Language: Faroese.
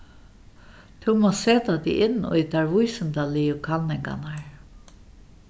tú mást seta teg inn í tær vísindaligu kanningarnar